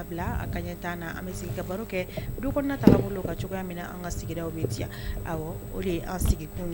Ka bila a kanɲɛ 10 la an bɛ sigi ka baro kɛ du kɔnɔna taabolo kan cogoya min na an ka sigidaw bɛ diya o de ye an sigi kun ye